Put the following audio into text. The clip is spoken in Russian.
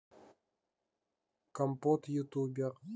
компот ютубер